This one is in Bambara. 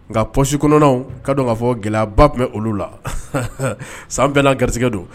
Nka pɔsi kɔnɔnw ka dɔn kaa fɔ gɛlɛyaba tun bɛ olu la san bɛɛna garisɛgɛ don